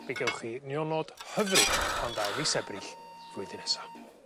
fe gewch chi nionod hyfryd pan ddaw mis Ebrill flwyddyn nesa.